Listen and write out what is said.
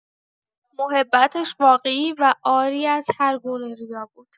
محبتش واقعی و عاری از هرگونه ریا بود.